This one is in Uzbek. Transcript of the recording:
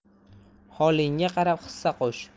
holingga qarab hissa qo'sh